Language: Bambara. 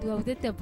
Tɛ